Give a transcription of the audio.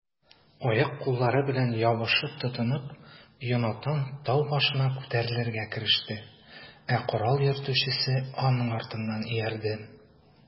Аяк-куллары белән ябышып-тотынып, Йонатан тау башына күтәрелергә кереште, ә корал йөртүчесе аның артыннан иярде.